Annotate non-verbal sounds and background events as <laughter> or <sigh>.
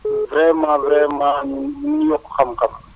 <noise> vraiment vraiment ñu ñu ngi yokku xam-xam